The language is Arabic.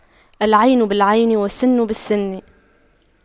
العين بالعين والسن بالسن